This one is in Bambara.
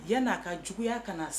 Yan n'a ka juguya ka na